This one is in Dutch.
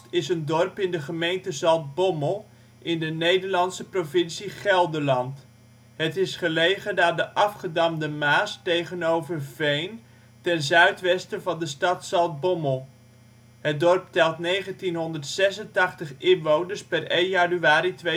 is een dorp in de gemeente Zaltbommel, in de Nederlandse provincie Gelderland. Het is gelegen aan de afgedamde Maas tegenover Veen, ten zuidwesten van de stad Zaltbommel. Het dorp telt 1986 inwoners (per 1 januari 2010